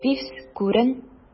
Пивз, күрен!